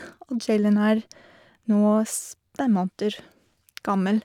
Og Jaylen er nå s fem måneder gammel.